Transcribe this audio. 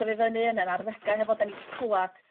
tyfu fyny yn 'yn arddega hefo 'dyn ni 'di clwad